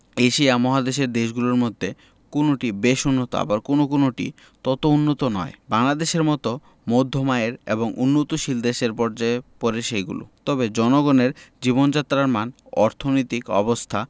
Asia মহাদেশের দেশগুলোর মধ্যে কোনটি বেশ উন্নত আবার কোনো কোনোটি তত উন্নত নয় বাংলাদেশের মতো মধ্যম আয়ের এবং উন্নয়নশীল দেশের পর্যায়ে পড়ে সেগুলো তবে জনগণের জীবনযাত্রার মান অর্থনৈতিক অবস্থা